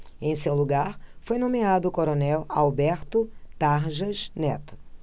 em seu lugar foi nomeado o coronel alberto tarjas neto